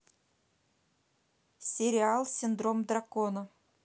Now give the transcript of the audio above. сериал синдром дракона